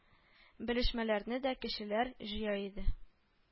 Белешмәләрне дә кешеләр җыя иде